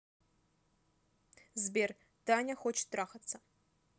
сбер таня хочет трахаться